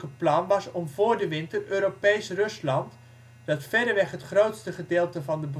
plan was om voor de winter Europees Rusland, dat verreweg het grootste gedeelte van